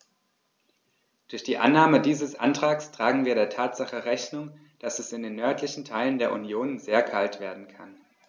Durch die Annahme dieses Antrags tragen wir der Tatsache Rechnung, dass es in den nördlichen Teilen der Union sehr kalt werden kann.